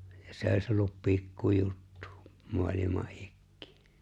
ja se olisi ollut pikkujuttu maailman ikiin